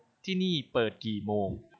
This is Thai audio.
ที่นี่เปิดกี่โมง